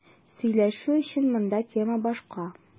Сөйләшү өчен монда тема башка.